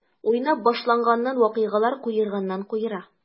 Уйнап башланган вакыйгалар куерганнан-куера.